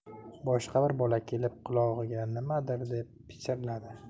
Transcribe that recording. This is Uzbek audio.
boshqa bir bola kelib qulog'iga nimadir deb pichirladi